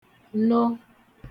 no